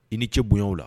I ni ce bonya la